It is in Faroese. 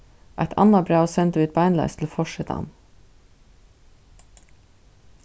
eitt annað bræv sendu vit beinleiðis til forsetan